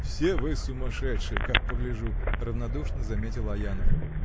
— Все вы сумасшедшие, как погляжу! — равнодушно заметил Аянов.